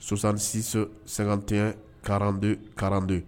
Sonsansiso sante kate kalan de